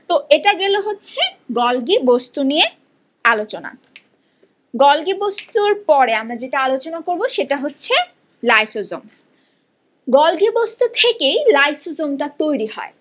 তো এটা গেল হচ্ছে গলগি বস্তু নিয়ে আলোচনা গলগি বস্তু পরে আমরা যেটা আলোচনা করব সেটা হচ্ছে লাইসোজোম গলগি বস্তু থেকেই লাইসোজোম টা তৈরি হয়